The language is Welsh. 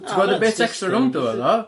Ti'n gweld y bit extra rowndo fo ddo?